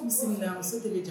An bisimila muso